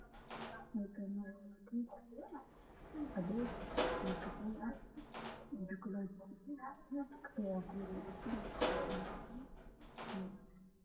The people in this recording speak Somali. Ha ii muuqda saxan cadaan oo ay saaran yihiin baskad iyo shukulaato